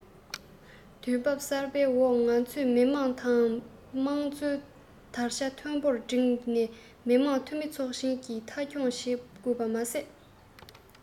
དུས བབ གསར པའི འོག ང ཚོས མི དམངས དམངས གཙོའི དར ཆ མཐོན པོར བསྒྲེངས ནས མི དམངས འཐུས མི ཚོགས ཆེན གྱི མཐའ འཁྱོངས བྱེད དགོས པ མ ཟད